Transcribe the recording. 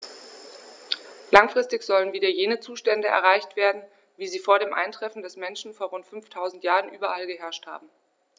Langfristig sollen wieder jene Zustände erreicht werden, wie sie vor dem Eintreffen des Menschen vor rund 5000 Jahren überall geherrscht haben.